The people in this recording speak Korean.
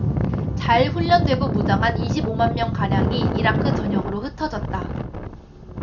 잘 훈련되고 무장한 이십 오 만 명가량이 이라크 전역으로 흩어졌다